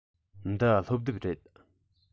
འདི སློབ དེབ རེད